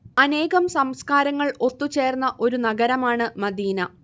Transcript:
അനേകം സംസ്കാരങ്ങൾ ഒത്തുചേർന്ന ഒരു നഗരമാണ് മദീന